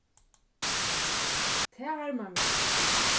tað harmar meg